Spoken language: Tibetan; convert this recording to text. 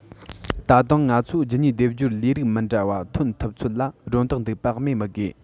ད དུང ང ཚོས རྒྱུད གཉིས སྡེབ སྦྱོར ལས རིགས མི འདྲ བ ཐོན ཐུབ ཚོད ལ སྒྲོ བཏགས འདུག པ སྨོས མི དགོས